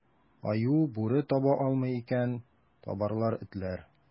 Аю, бүре таба алмый икән, табарлар этләр.